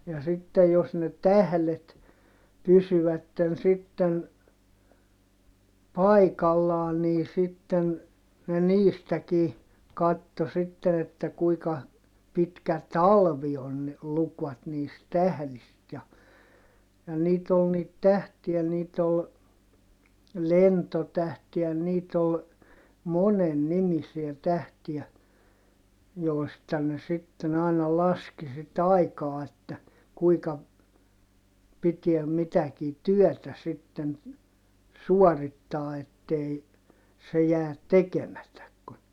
ja sitten jos ne tähdet pysyvät sitten paikallaan niin sitten ne niistäkin katsoi sitten että kuinka pitkä talvi on ne lukivat niistä tähdistä ja ja niitä oli niitä tähtiä niitä oli lentotähti ja niitä oli monen nimisiä tähtiä joista ne sitten aina laski sitten aikaa että kuinka piti mitäkin työtä sitten suorittaa että ei se jää tekemättä kun